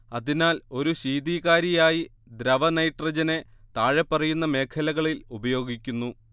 അതിനാൽ ഒരു ശീതീകാരിയായി ദ്രവനൈട്രജനെ താഴെപ്പറയുന്ന മേഖലകളിൽ ഉപയോഗിക്കുന്നു